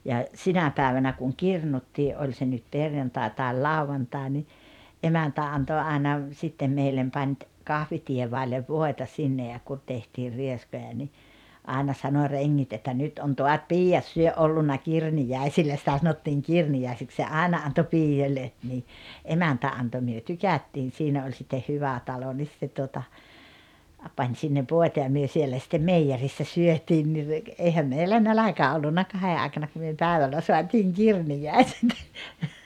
ja sinä päivänä kun kirnuttiin oli se nyt perjantai tai lauantai niin emäntä antoi aina sitten meille -- kahviteevadille voita sinne ja kun tehtiin rieskoja niin aina sanoi rengit että nyt on taas piiat - ollut kirniäisillä sitä sanottiin kirniäisiksi se aina antoi piioille niin emäntä antoi me tykättiin siinä oli sitten hyvä talo niin se tuota - pani sinne voita ja me siellä sitten meijerissä syötiin niin - eihän meillä nälkä ollut kahden aikana kun me päivällä saatiin kirniäiset